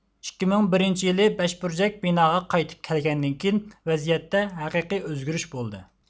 ئىككى مىڭ بىرىنچى يىلى بەشبۈرجەك بىناغا قايتىپ كەلگەندىن كېيىن ۋەزىيەتتە ھەقىقىي ئۆزگىرىش بولدى